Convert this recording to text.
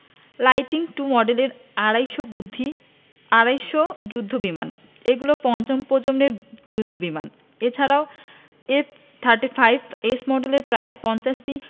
lightning two মডেলের আড়াই শ যুদ্ধবিমান এগুলো পঞ্চম প্রজন্মের যুদ্ধবিমান এ ছাড়া এফ থার্টি ফাইভ এস মডেলের প্রায় ৫০টি